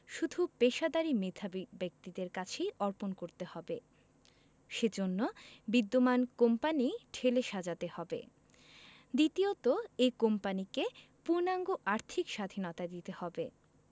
শুধু পেশাদারি মেধাবী ব্যক্তিদের কাছেই অর্পণ করতে হবে সে জন্য বিদ্যমান কোম্পানি ঢেলে সাজাতে হবে দ্বিতীয়ত এই কোম্পানিকে পূর্ণাঙ্গ আর্থিক স্বাধীনতা দিতে হবে